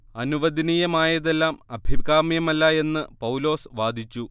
അനുവദനീയമായതെല്ലാം അഭികാമ്യമല്ല എന്ന് പൗലോസ് വാദിച്ചു